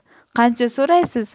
qancha so'raysiz